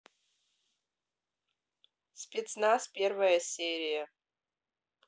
спецназ первая серия